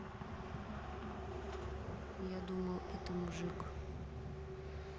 я думал это мужик